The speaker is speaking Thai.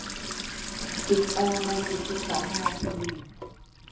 ปิดแอร์ในอีกสิบสองนาที